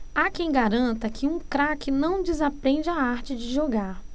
há quem garanta que um craque não desaprende a arte de jogar